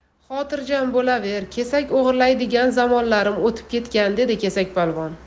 xotirjam bo'laver kesak o'g'irlaydigan zamonlarim o'tib ketgan dedi kesakpolvon